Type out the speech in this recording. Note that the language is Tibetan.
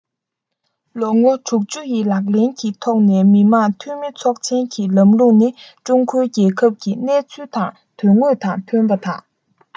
ལོ ངོ ཡི ལག ལེན གྱི ཐོག ནས མི དམངས འཐུས མི ཚོགས ཆེན གྱི ལམ ལུགས ནི ཀྲུང གོའི རྒྱལ ཁབ ཀྱི གནས ཚུལ དང དོན དངོས དང མཐུན པ དང